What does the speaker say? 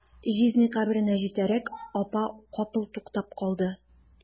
Җизни каберенә җитәрәк, апа капыл туктап калды.